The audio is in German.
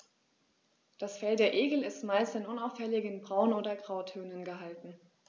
Das Fell der Igel ist meist in unauffälligen Braun- oder Grautönen gehalten.